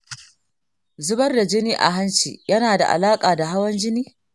zubar da jini a hanci yana da alaƙa da hawan jini?